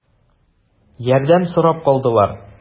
Ярдәм сорап калдылар.